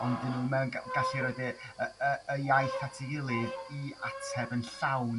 ond 'di n'w 'myn gallu reid yr iaith at ei gilydd i ateb yn llawn